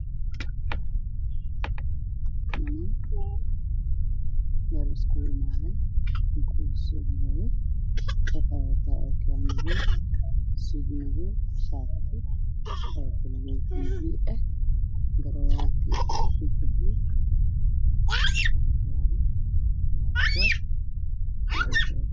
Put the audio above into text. Waxaa iyagu muuqda wasiir kamida wasiirada soomaaliya oo wato oo ku yaallo iyo suud madow gadaalna waxaa fadhiyo nimo wato suudad